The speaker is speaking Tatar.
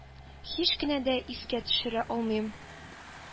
Һич кенә дә искә төшерә алмыйм.